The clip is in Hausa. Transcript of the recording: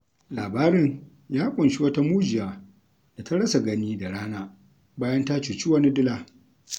Labarin ya ƙunshi wata mujiya da ta rasa gani da rana bayan ta cuci wani dila.